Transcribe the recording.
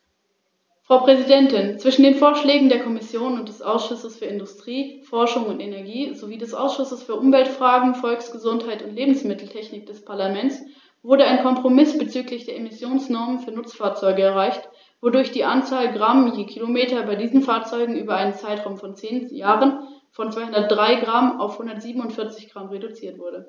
Ich danke Frau Schroedter für den fundierten Bericht.